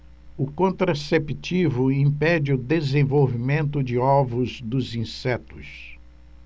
o contraceptivo impede o desenvolvimento de ovos dos insetos